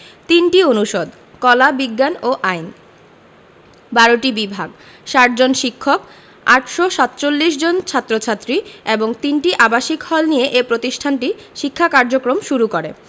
৩টি অনুষদ কলা বিজ্ঞান ও আইন ১২টি বিভাগ ৬০ জন শিক্ষক ৮৪৭ জন ছাত্র ছাত্রী এবং ৩টি আবাসিক হল নিয়ে এ প্রতিষ্ঠানটি শিক্ষা কার্যক্রম শুরু করে